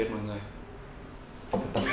chào tạm biệt mọi người ạ